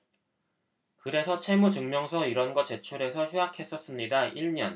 그래서 채무증명서 이런 거 제출해서 휴학했었습니다 일 년